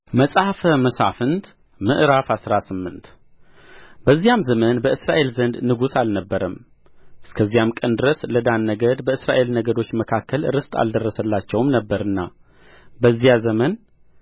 መጽሐፈ መሣፍንት ምዕራፍ አስራ ስምንት በዚያም ዘመን በእስራኤል ዘንድ ንጉሥ አልነበረም እስከዚያም ቀን ድረስ ለዳን ነገድ በእስራኤል ነገዶች መካከል ርስት አልደረሳቸውም ነበርና በዚያ ዘመን